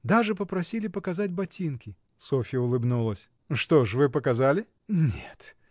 даже просили показать ботинки. — Софья улыбнулась. — Что ж, вы показали? — Нет.